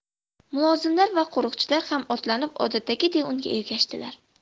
mulozimlar va qo'rchilar ham otlanib odatdagiday unga ergashdilar